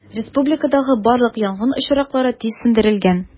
Республикадагы барлык янгын очраклары тиз сүндерелгән.